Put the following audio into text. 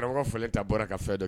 Karamɔgɔ falen ta bɔra ka fɛn dɔ